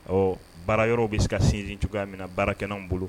Ɔ baara yɔrɔ bɛ se ka sinsin cogoya min na baara kɛw bolo